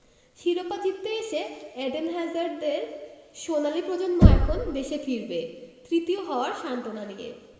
শিরোপা জিততে এসে এডেন হ্যাজার্ডদের সোনালি প্রজন্ম এখন দেশে ফিরবে তৃতীয় হওয়ার সান্ত্বনা নিয়ে